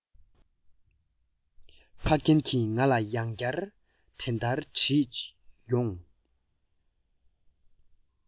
ཕ རྒན གྱིས ང ལ ཡང བསྐྱར དེ ལྟར དྲིས ཡོང